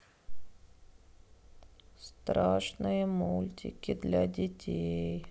страшные мультики для детей